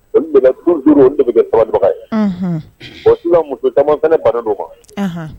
Furu duuru de saba dɔgɔ ye o muso camanfɛn bana don kan